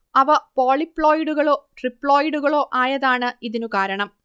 അവ പോളിപ്ലോയിഡുകളോ ട്രിപ്ലോയിടുകളോ ആയതാണ് ഇതിനു കാരണം